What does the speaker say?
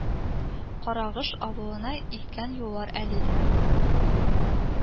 Карагыш авылына илткән юллар әле дә